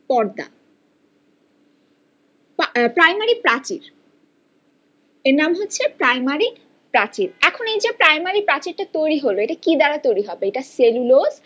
পর্দা প্রাইমারি প্রাচীর এর নাম হচ্ছে প্রাইমারি প্রাচীর এখন এই যে প্রাইমারি প্রাচীর টা তৈরি হল এটা কি দ্বারা তৈরি হবে এটা সেলুলোজ